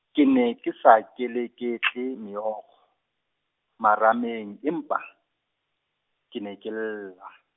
ke ne, ke sa, keleketle meokgo, marameng empa, ke ne ke lla.